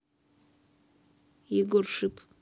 егор шип